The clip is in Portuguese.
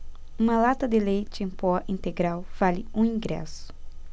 uma lata de leite em pó integral vale um ingresso